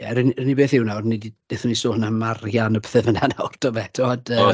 Ie yr unig unig beth yw nawr, ni 'di... wnaethon ni sôn am arian a pethe nawr dofe tibod yym...